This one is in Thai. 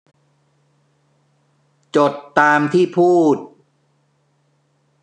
จดตามที่พูด